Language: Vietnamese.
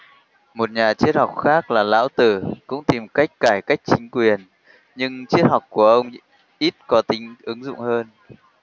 một nhà triết học khác là lão tử cũng tìm cách cải cách chính quyền nhưng triết học của ông ít có tính ứng dụng hơn